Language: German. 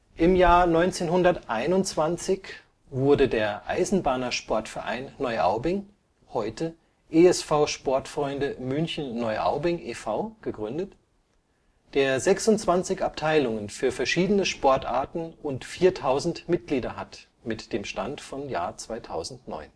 Im Jahr 1921 wurde der Eisenbahnersportverein Neuaubing (heute: ESV Sportfreunde München-Neuaubing e. V.) gegründet, der 26 Abteilungen für verschiedene Sportarten und 4000 Mitglieder hat (Stand 2009